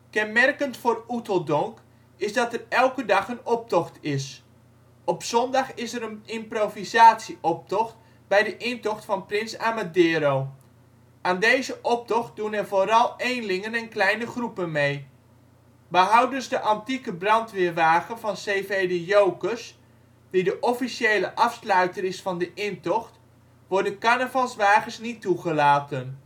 Kenmerkend voor Oeteldonk, is dat er elke dag een optocht is. Op zondag is er een improvisatieoptocht bij de intocht van Prins Amadeiro. Aan deze optocht doen er vooral eenlingen en kleine groepen mee. Behoudens de antieke brandweerwagen van cv de Jokers, die de officiële afsluiter is van de intocht, worden carnavalswagens niet toegelaten